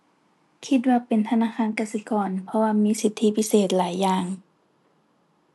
คิดว่าเป็นธนาคารกสิกร เพราะว่ามีสิทธิพิเศษหลายอย่าง